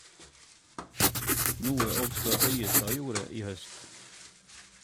Noe også Øyestad gjorde i høst.